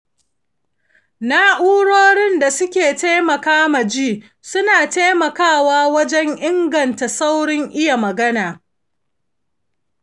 na'urorin da suke taimaka ma ji suna taimakawa wajen inganta saurin iya magana.